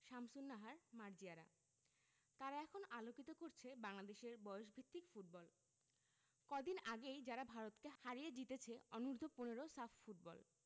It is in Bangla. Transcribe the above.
শামসুন্নাহার মার্জিয়ারা তারা এখন আলোকিত করছে বাংলাদেশের বয়সভিত্তিক ফুটবল কদিন আগেই যারা ভারতকে হারিয়ে জিতেছে অনূর্ধ্ব ১৫ সাফ ফুটবল